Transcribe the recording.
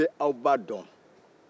ne bɛ aw ba dɔn